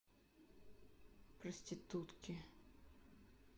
проститутки